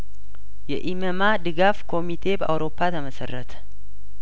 የኢመማ ድጋፍ ኮሚቴ በአውሮፓ ተመሰረተ